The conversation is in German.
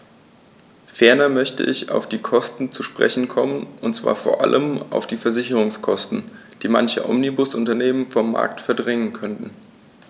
Ferner möchte ich auf die Kosten zu sprechen kommen, und zwar vor allem auf die Versicherungskosten, die manche Omnibusunternehmen vom Markt verdrängen könnten.